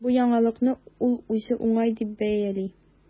Бу яңалыкны ул үзе уңай дип бәяли.